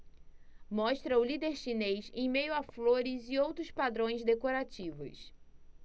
mostra o líder chinês em meio a flores e outros padrões decorativos